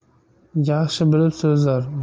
yaxshi bilib so'zlar